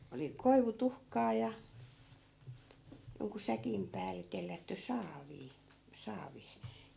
oli koivutuhkaa ja jonkun säkin päälle tellätty saaviin saavissa